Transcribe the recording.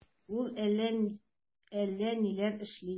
Ул әллә ниләр эшли...